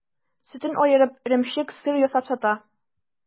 Сөтен аертып, эремчек, сыр ясап сата.